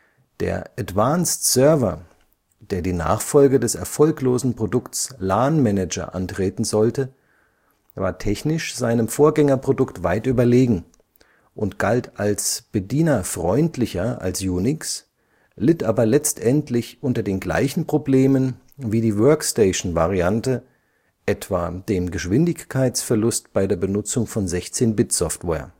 Der Advanced Server, der die Nachfolge des erfolglosen Produkts LAN Manager antreten sollte, war technisch seinem Vorgängerprodukt weit überlegen, und galt als bedienerfreundlicher als Unix, litt aber letztendlich unter den gleichen Problemen wie die Workstation-Variante, etwa dem Geschwindigkeitsverlust bei der Benutzung von 16-Bit-Software